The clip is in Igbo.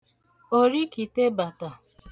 òrikìtebàtà